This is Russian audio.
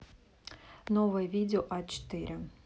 новое видео а четыре